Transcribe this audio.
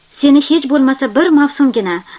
seni hech bo'lmasa bir mavsumgina